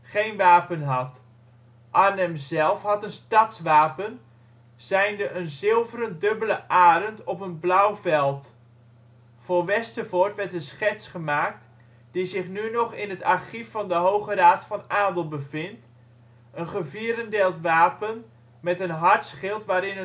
geen wapen had. Arnhem zelf had een stadswapen ' zijnde een zilveren dubbele arend op een blauw veld '. Voor Westervoort werd een schets gemaakt, die zich nu nog in het archief van de Hoge Raad van Adel bevindt: een gevierendeeld wapen met een hartschild waarin